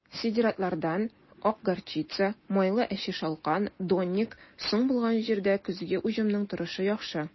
Сидератлардан (ак горчица, майлы әче шалкан, донник) соң булган җирдә көзге уҗымның торышы яхшы.